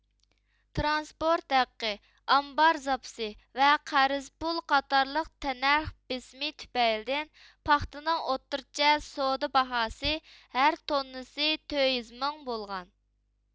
ترانسپورت ھەققى ئامبار زاپىسى ۋە قەرز پۇل قاتارلىق تەننەرخ بېسىمى تۈپەيلىدىن پاختىنىڭ ئوتتۇرىچە سودا باھاسى ھەرتوننىسى تۆت يۈز مىڭ بولغان